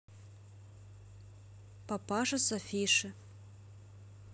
папаша с афиши